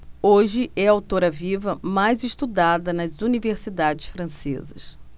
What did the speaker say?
hoje é a autora viva mais estudada nas universidades francesas